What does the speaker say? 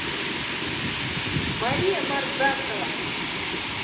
мария мордасова